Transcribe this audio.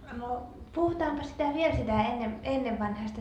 no puhutaanpas sitä vielä sitä - ennenvanhasta